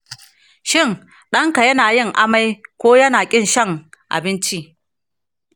shin ɗanka yana yin amai ko yana ƙin shan abinci?